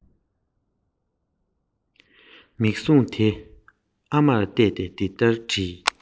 གྲིལ ཏེ བྲང ཁར འཛག གིན